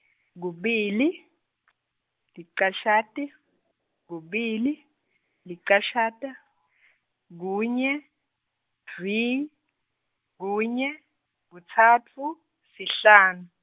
kubili , licashata, kubili, licashata, kunye, dvwi, kunye, kutsatfu, sihlanu.